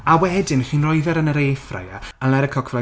A wedyn chi'n rhoi fe yn yr air fryer and let it cook for like...